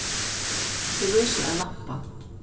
her lýsir ein lampa